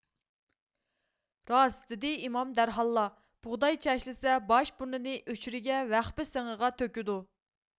راست دېدى ئىمام دەرھاللا بۇغداي چەشلىسە باش بۇرنىنى ئۆشرىگە ۋەخپە سېڭىغا تۆكىدۇ